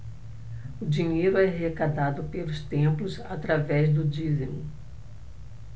o dinheiro é arrecadado pelos templos através do dízimo